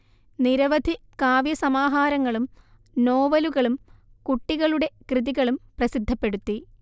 നിരവധി കാവ്യ സമാഹാരങ്ങളും നോവലുകളും കുട്ടികളുടെ കൃതികളും പ്രസിദ്ധപ്പെടുത്തി